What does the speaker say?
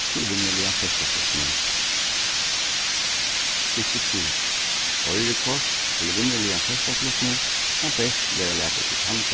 til vinnuligan fólkaflutning stykki trý koyrikort til vinnuligan fólkaflutning kann bert verða latið til tann